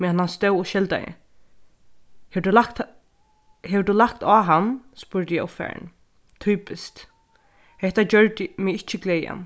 meðan hann stóð og skeldaði hevur tú lagt hevur tú lagt á hann spurdi eg ovfarin typiskt hetta gjørdi meg ikki glaðan